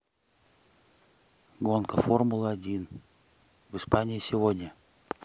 гонка формула один в испании сегодня